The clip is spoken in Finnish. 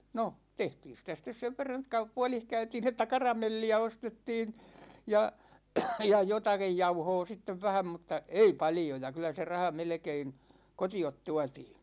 no tehtiin sitä sitten sen verran että - puodissa käytiin että karamelliä ostettiin ja ja jotakin jauhoa sitten vähän mutta ei paljoja kyllä se raha melkein kotiin tuotiin